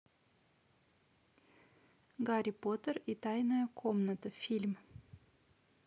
гарри поттер и тайная комната фильм